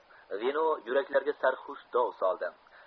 vino yuraklarga sarxush dov soldi